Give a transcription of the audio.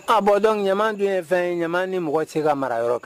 A bɔ dɔn ɲama dun ye fɛn ye ɲama ni mɔgɔ se ka mara yɔrɔ kan